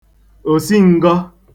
òsin̄gọ̄